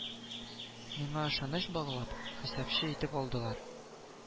Миңа ышаныч баглап, хисапчы итеп алдылар